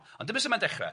Ond dyma sut ma'n dechra.